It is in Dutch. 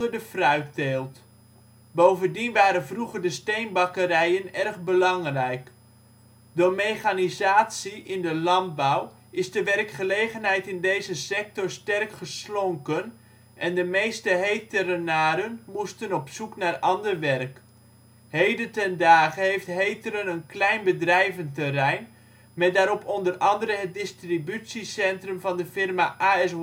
de fruitteelt. Bovendien waren vroeger de steenbakkerijen erg belangrijk. Door mechanisatie in de landbouw is de werkgelegenheid in deze sector sterk geslonken en de meeste Heterenaren moesten op zoek naar ander werk. Heden ten dage heeft Heteren een klein bedrijventerrein, met daarop onder andere het distributiecentrum van de firma AS Watson